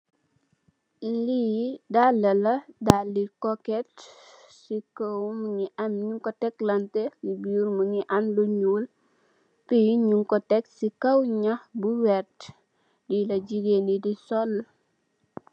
Li dala la Dali koket njogu ko teklante mugi am lu njul bee njungko Tek ci kaw njax bu weert li la gigen Yi di sol